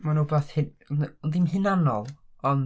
Mae 'na wbath hun-... ddim hunanol ond...